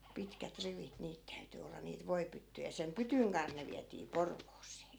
pitkät rivit niitä täytyi olla niitä voipyttyjä sen pytyn kanssa ne vietiin Porvooseen